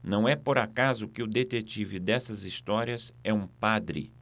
não é por acaso que o detetive dessas histórias é um padre